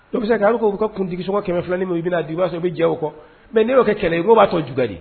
O bɛ se k'u ka kuntigisogɔ kɛmɛ fila min u bɛna d di ma sɔrɔ bɛ jawo kɔ mɛ neo kɛ kɛlɛ ko b'a fɔ jo di